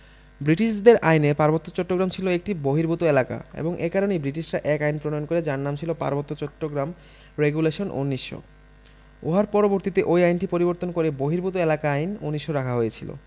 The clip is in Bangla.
বৃটিশদের আইনে পার্বত্য চট্টগ্রাম ছিল একটি বহির্ভূত এলাকা এবং এ কারণেই বৃটিশরা এক আইন প্রণয়ন করে যার নাম ছিল পার্বত্য চট্টগ্রাম রেগুলেশন ১৯০০ উহার পরবর্তীতে ঐ আইনটি পরিবর্তন করে বহির্ভূত এলাকা আইন ১৯০০ রাখা হয়েছিল